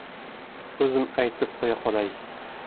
o'zim aytib qo'ya qolay